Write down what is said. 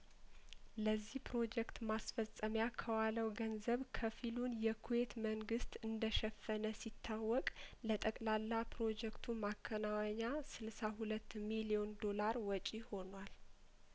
ለዚህ ፕሮጀክት ማስፈጸሚያከዋለው ገንዘብ ከፊሉን የኩዌት መንግስት እንደሸፈነ ሲታወቅ ለጠቅላላ ፕሮጀክቱ ማከናወኛ ስልሳ ሁለት ሚሊዮን ዶላር ወጪ ሆኗል